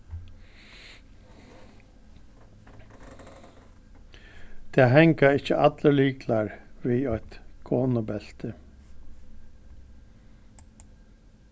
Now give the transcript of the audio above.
tað hanga ikki allir lyklar við eitt konubelti